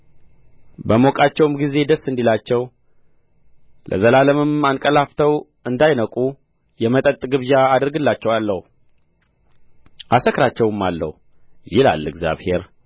በሞቃቸው ጊዜ ደስ እንዲላቸው ለዘላለምም አንቀላፍተው እንዳይነቁ የመጠጥ ግብዣ አደርግላቸዋለሁ አሰክራቸውማለሁ ይላል እግዚአብሔር